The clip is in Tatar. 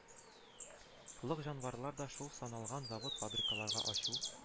Лык җанварлар да шул саналган завод-фабрикаларга ачу